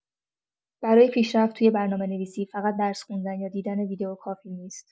برای پیشرفت توی برنامه‌نویسی، فقط درس خوندن یا دیدن ویدیو کافی نیست.